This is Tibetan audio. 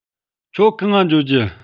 ཁྱོད གང ང འགྱོ རྒྱུ